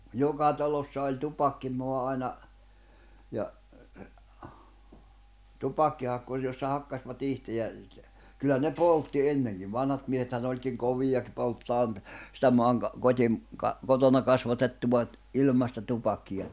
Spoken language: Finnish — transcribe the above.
joka talossa oli tupakkia aina ja tupakkihakkuri jossa hakkasivat itse ja kyllä ne poltti ennenkin vanhat miehethän olikin kovia polttamaan sitä --- kotona kasvatettua ilmaista tupakkia